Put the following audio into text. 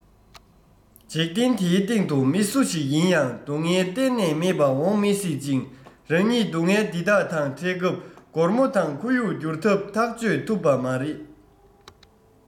འཇིག རྟེན འདིའི སྟེང དུ མི སུ ཞིག ཡིན ཡང སྡུག བསྔལ གཏན ནས མེད པ འོངས མི སྲིད ཅིང རང ཉིད སྡུག བསྔལ འདི དག དང འཕྲད སྐབས སྒོར མོ དང ཁོར ཡུག སྒྱུར ཐབས ཐག གཅོད ཐུབ པ མ རེད